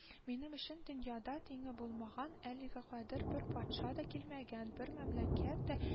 — минем өчен дөньяда тиңе булмаган, әлегә кадәр бер патша да кимәгән, бер мәмләкәт тә